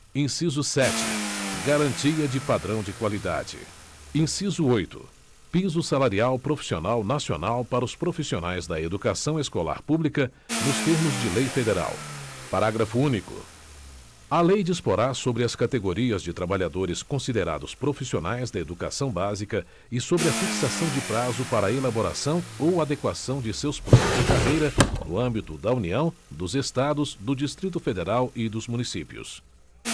inciso sete garantia de padrão de qualidade inciso oito piso salarial profissional nacional para os profissionais da educação escolar pública nos termos de lei federal parágrafo único a lei disporá sobre as categorias de trabalhadores considerados profissionais da educação básica e sobre a fixação de prazo para a elaboração ou adequação de seus planos de carreira no âmbito da união dos estados do distrito federal e dos municípios